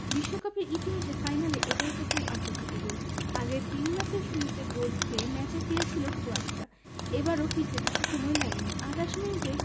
বিশ্বকাপের ইতিহাসে ফাইনালে এটাই প্রথম আত্মঘাতী গোল আগের তিন ম্যাচেই শুরুতে গোল খেয়ে ম্যাচে ফিরেছিল ক্রোয়াটরা এবারও ফিরতে বেশি সময় লাগেনি ২৮ মিনিটে